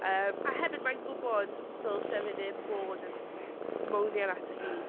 Yym, a hefyd mae'n gwybod dylse fe ddim bod yn mownian ato hi...